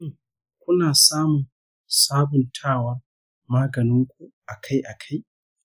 shin, kuna samun sabuntawar maganin ku akai-akai?